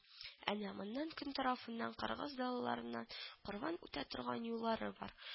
Әнә моннан көн тарафыннан кыргыз далаларыннан корван үтә торган юллары бар